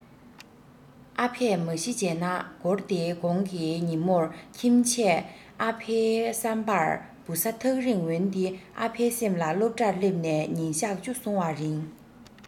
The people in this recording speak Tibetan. ཨ ཕས མ གཞི བྱས ན སྒོར དེའི གོང གི ཉིན མོར ཁྱིམ ཆས ཨ ཕའི བསམ པར བུ ས ཐག རིང འོན ཏེ ཨ ཕའི སེམས ལ སློབ གྲྭར སླེབས ནས ཉིན གཞག བཅུ སོང བའི རིང